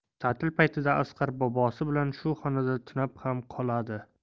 ta'til paytlarida asqar bobosi bilan shu xonada tunab ham qoladi